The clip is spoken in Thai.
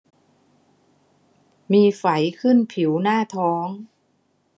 มีไฝขึ้นผิวหน้าท้อง